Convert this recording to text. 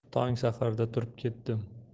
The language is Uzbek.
tong saharda turib ketdim